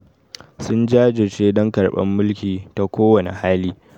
“Sun jajirce don karbar mulki ta ko wane hali.